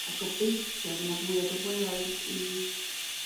A gobeithio ma' 'na fwy o gyfleoedd i